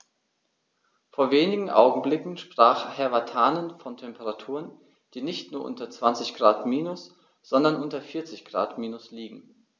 Vor wenigen Augenblicken sprach Herr Vatanen von Temperaturen, die nicht nur unter 20 Grad minus, sondern unter 40 Grad minus liegen.